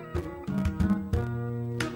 San yo